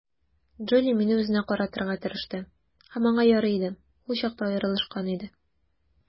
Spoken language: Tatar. Джули мине үзенә каратырга тырышты, һәм аңа ярый иде - ул чакта аерылышкан иде.